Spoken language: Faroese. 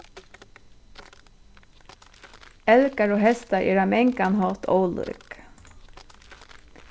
elgar og hestar eru á mangan hátt ólík